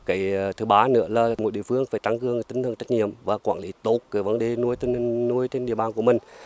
cái thứ ba nữa là mỗi địa phương phải tăng cường tinh thần trách nhiệm và quản lý tốt cái vấn đề nuôi tôm nuôi trên địa bàn của mình